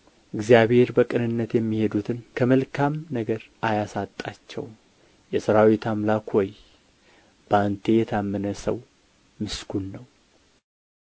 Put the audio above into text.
እግዚአብሔር በቅንነት የሚሄዱትን ከመልካም ነገር አያሳጣቸውም የሠራዊት አምላክ ሆይ በአንተ የታመነ ሰው ምስጉን ነው